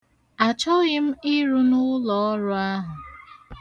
Achọghị m ịrụ n'ụlọọrụ ahụ.